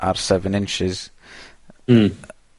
ar seven inches. Mm.